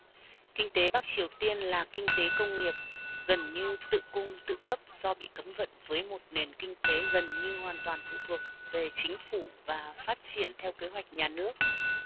kinh tế bắc triều tiên là kinh tế công nghiệp gần như tự cung tự cấp do bị cấm vận với một nền kinh tế gần như hoàn toàn thuộc về chính phủ và phát triển theo kế hoạch nhà nước